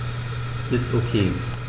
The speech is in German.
Ist OK.